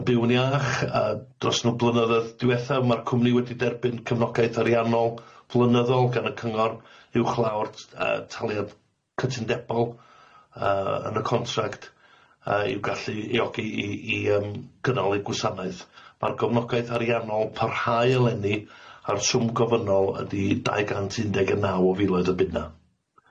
Yn byw yn iach yy dros nw blynyddoedd diwetha ma'r cwmni wedi derbyn cefnogaeth ariannol flynyddol gan y cyngor uwchlaw'r yy taliad cytundebol yy yn y contract yy i'w gallu iogi i i yym gynnolyg gwasanaeth ma'r gofnogaeth ariannol parhau eleni a'r swm gofynol ydi dau gant undeg y naw o filoedd y bunna.